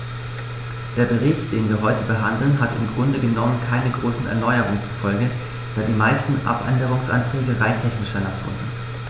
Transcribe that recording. Der Bericht, den wir heute behandeln, hat im Grunde genommen keine großen Erneuerungen zur Folge, da die meisten Abänderungsanträge rein technischer Natur sind.